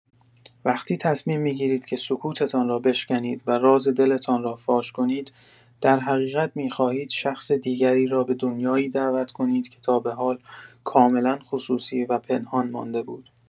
وقتی تصمیم می‌گیرید که سکوتتان را بشکنید و راز دلتان را فاش کنید، درحقیقت می‌خواهید شخص دیگری را به دنیایی دعوت کنید که تابه‌حال کاملا خصوصی و پنهان مانده بود.